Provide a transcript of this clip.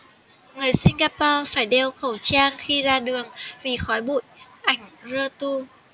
người singapore phải đeo khẩu trang khi ra đường vì khói bụi ảnh reuters